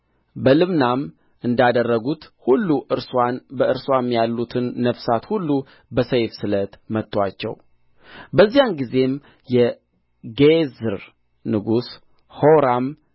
በልብናም እንዳደረጉት ሁሉ እርስዋን በእርስዋም ያሉትን ነፍሳት ሁሉ በሰይፍ ስለት መቱአቸው በዚያን ጊዜም የጌዝር ንጉሥ ሆራም